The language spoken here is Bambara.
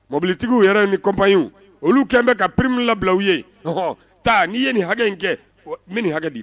Mobilitigiww yɛrɛ in ni kɔnpyw olu kɛlen bɛ ka perembila u yeɔ taa nii ye nin hakɛ in kɛ min ni hakɛdi